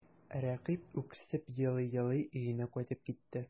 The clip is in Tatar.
Рәкыйп үксеп елый-елый өенә кайтып китте.